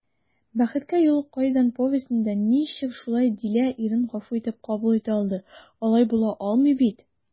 «бәхеткә юл кайдан» повестенда ничек шулай дилә ирен гафу итеп кабул итә алды, алай була алмый бит?»